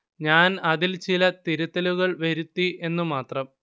ഞാന്‍ അതില്‍ ചില തിരുത്തലുകള്‍ വരുത്തി എന്നു മാത്രം